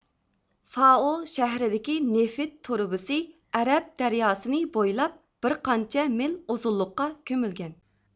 فائو شەھىرىدىكى نېفىت تۇرۇبىسى ئەرەب دەرياسىنى بويلاپ بىر قانچە مىل ئۇزۇنلۇققا كۆمۈلگەن